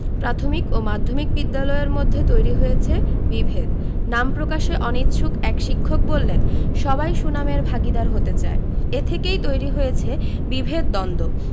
প্রাথমিক ও মাধ্যমিক বিদ্যালয়ের মধ্যে তৈরি হয়েছে বিভেদ নাম প্রকাশে অনিচ্ছুক এক শিক্ষক বললেন সবাই সুনামের ভাগীদার হতে চায় এ থেকেই তৈরি হয়েছে বিভেদ দ্বন্দ্ব